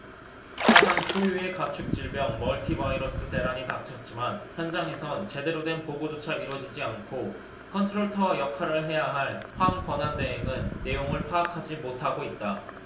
사상 초유의 가축 질병 멀티 바이러스 대란이 닥쳤지만 현장에선 제대로 된 보고조차 이뤄지지 않고 컨트롤타워 역할을 해야 할 황 권한대행은 내용을 파악하지 못하고 있다